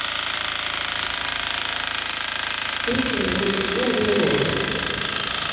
песня не грусти нло